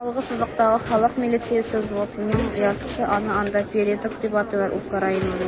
Алгы сызыктагы халык милициясе взводының яртысы (аны монда "передок" дип атыйлар) - украиналылар.